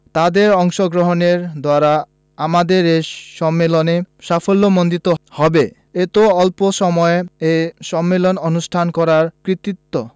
তাদের অংশগ্রহণের দ্বারা আমাদের এ সম্মেলন সাফল্যমণ্ডিত হবে এত অল্প এ সম্মেলন অনুষ্ঠান করার কৃতিত্ব